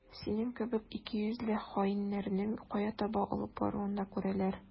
Синең кебек икейөзле хаиннәрнең кая таба алып баруын да күрәләр.